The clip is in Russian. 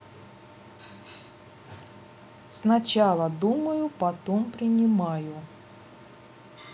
сначала думаю потом принимаю